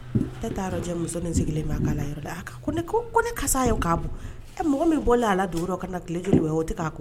E muso sigilen ko karisa' mɔgɔ min bɔ ala don ka na kij o'